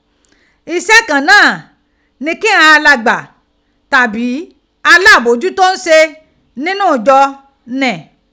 Ise kan naa ki ighan alagba, tabi alabojuto n se ninu ijo ni